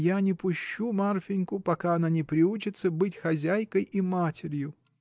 Я не пущу Марфиньку, пока она не приучится быть хозяйкой и матерью!